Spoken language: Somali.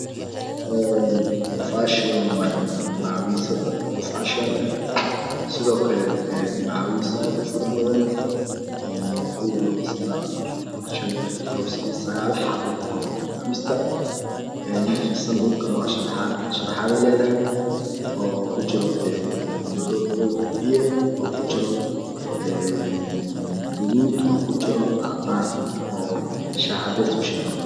Een fashion waaye macwiise dhar oo fashion ah sidoo kale ee macwiise aad u faro badan een 9 xabo ay ka kooban tahay macwiista een meel fidsan shulkana waa sharaxaad sharaxaad eyey eedahay oo ku jiro ee maro madow oo biyo biyo ah oo ku jira een gaduud oo kujiro cadaan oo shaah cadeys u shabaho